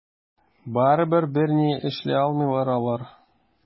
Барыбер берни эшли алмыйлар алар.